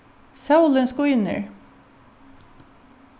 sólin skínur